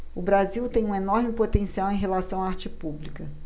o brasil tem um enorme potencial em relação à arte pública